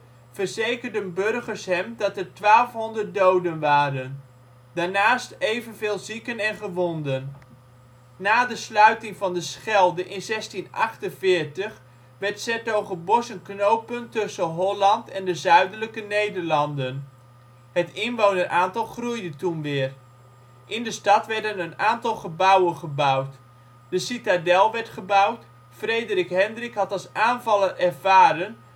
verzekerden burgers hem dat er 1.200 doden waren, daarnaast evenveel zieken en gewonden. Na de sluiting van de Schelde in 1648, werd ' s-Hertogenbosch een knooppunt tussen Holland en de Zuidelijke Nederlanden. Het inwoneraantal groeide toen weer. In de stad werden een aantal gebouwen gebouwd. De Citadel werd gebouwd. Frederik Hendrik had als aanvaller ervaren